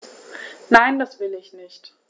Nein, das will ich nicht.